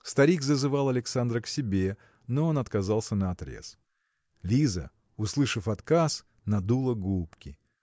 Старик зазывал Александра к себе, но он отказался наотрез. Лиза, услышав отказ, надула губки.